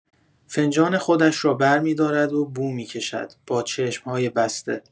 فنجان خودش را برمی‌دارد و بو می‌کشد، با چشم‌های بسته.